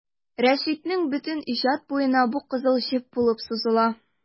Рәшитнең бөтен иҗаты буена бу кызыл җеп булып сузыла.